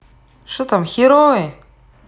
что там херовый